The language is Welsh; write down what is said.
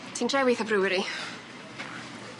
Ti'n drewi 'tha brewery.